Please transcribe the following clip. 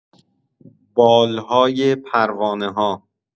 بال‌های پروانه‌ها